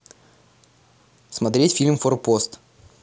смотреть фильм форпост